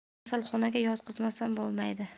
kasalxonaga yotqizmasam bo'lmaydi